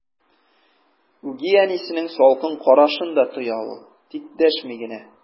Үги әнисенең салкын карашын да тоя ул, тик дәшми генә.